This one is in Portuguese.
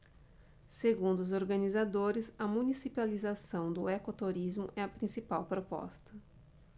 segundo os organizadores a municipalização do ecoturismo é a principal proposta